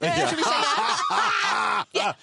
Meindia!